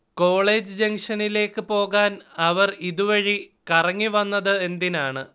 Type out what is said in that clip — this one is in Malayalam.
കോളേജ് ജംഗ്ഷനിലേക്കു പോകാൻ അവർ ഇതു വഴി കറങ്ങി വന്നതെന്തിനാണ്